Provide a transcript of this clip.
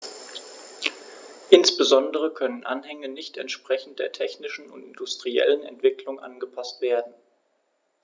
Insbesondere können Anhänge nicht entsprechend der technischen und industriellen Entwicklung angepaßt werden.